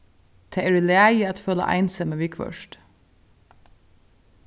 tað er í lagi at føla einsemi viðhvørt